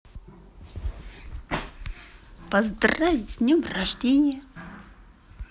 поздравить с днем рождения